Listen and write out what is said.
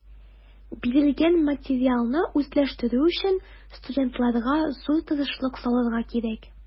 Бирелгән материалны үзләштерү өчен студентларга зур тырышлык салырга кирәк.